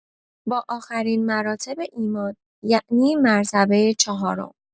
با آخرین مراتب ایمان، یعنی مرتبه چهارم